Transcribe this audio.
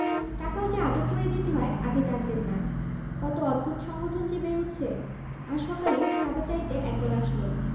টাকাও যে আদর করে দিতে হয় আগে জানতেন না কত অদ্ভুত সংগঠন যে বের হচ্ছে আজ সকালে চাঁদা চাইতে একদল আসল